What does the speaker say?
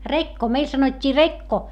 rekko meillä sanottiin rekko